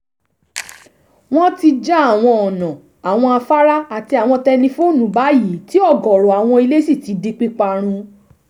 Wọ́n ti já àwọn ọ̀nà, àwọn afárá àti àwọn tẹlifóònù báyìí tí ọ̀gọ̀ọ̀rọ̀ àwọn ilé sì ti di píparun.